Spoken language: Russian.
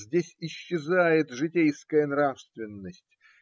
Здесь исчезает житейская нравственность